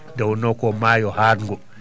nde wonno ko maayo hatgo